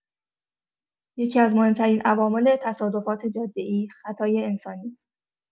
یکی‌از مهم‌ترین عوامل تصادفات جاده‌ای، خطای انسانی است.